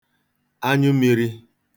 anyụmīrī